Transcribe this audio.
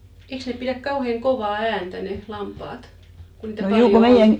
Eikös ne pidä kauhean kovaa ääntä ne lampaat kun niitä paljon on